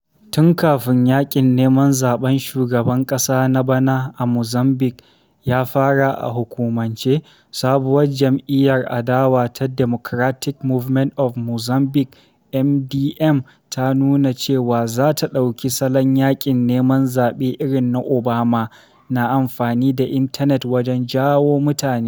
Tun kafin yaƙin neman zaɓen shugaban ƙasa na bana a Mozambique ya fara a hukumance, sabuwar jam’iyyar adawa ta Democratic Movement of Mozambique (MDM) ta nuna cewa za ta ɗauki salon yaƙin neman zaɓe irin na“Obama” na amfani da intanet wajen jawo mutane.